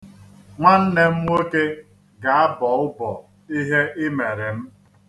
Nwanne m nwoke ga-abọ ụbọ ihe i mere m.